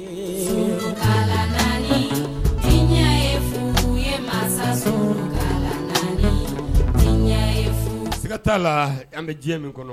Jinɛinɛ ye fo u ye mansa sɔrɔ jinɛ ye sigata la an bɛ diɲɛ min kɔnɔ